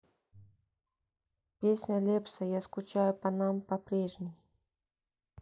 песня лепса я скучаю по нам по прежним